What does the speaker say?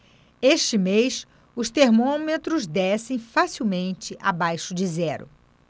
este mês os termômetros descem facilmente abaixo de zero